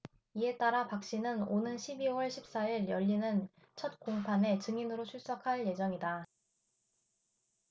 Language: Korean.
이에 따라 박씨는 오는 십 이 월 십 사 일 열리는 첫 공판에 증인으로 출석할 예정이다